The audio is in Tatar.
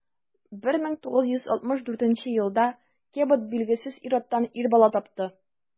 1964 елда кэбот билгесез ир-аттан ир бала тапты.